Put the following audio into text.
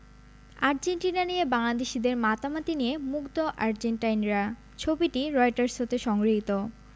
Argentina নিয়ে বাংলাদেশিদের মাতামাতি নিয়ে মুগ্ধ আর্জেন্টাইনরা ছবিটি রয়টার্স হতে সংগৃহীত